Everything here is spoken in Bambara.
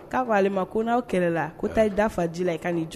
K'a k'ale ma ni aw kɛlɛla, ko taa i dafa ji la i ka n'i jɔ